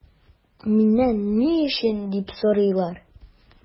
Миннән “ни өчен” дип сорыйлар.